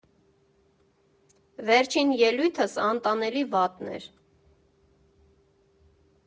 Վերջին ելույթս անտանելի վատն էր։